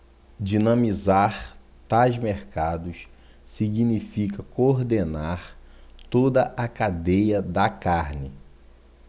dinamizar tais mercados significa coordenar toda a cadeia da carne